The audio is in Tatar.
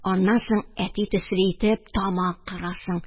Аннан соң әти төсле итеп тамак кырасың